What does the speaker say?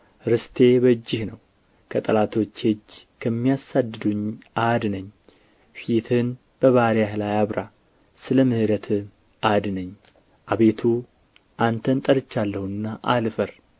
ርስቴ በእጅህ ነው ከጠላቶቼ እጅና ከሚያሳድዱኝ አድነኝ ፊትህን በባሪያህ ላይ አብራ ስለ ምሕረትህም አድነኝ አቤቱ አንተን ጠርቻለሁና አልፈር